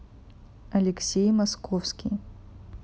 алексей московский